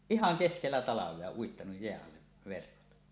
ihan keskellä talvea uittanut jään alle verkot